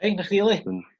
hei 'na chdi 'li